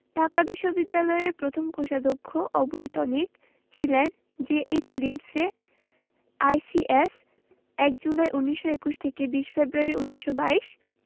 ঢাকা বিশ্ববিদ্যালয়ের প্রথম কোষাধ্যক্ষ অবৈতনিক ছিলেন জে.এইচ লিন্ডসে আইসিএস ১ জুলাই ১৯২১ থেকে ২০ ফেব্রুয়ারি ১৯২২